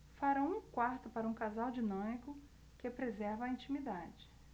farão um quarto para um casal dinâmico que preserva a intimidade